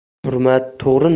hurmat to'g'ri narsa